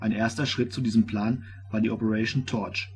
erster Schritt zu diesem Plan war die " Operation Torch